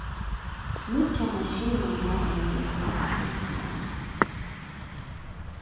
nýggja maskinan gav eina rúgvu av pengum av sær